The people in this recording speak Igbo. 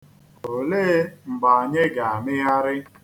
Olee mgbe anyị ga-amịgharị?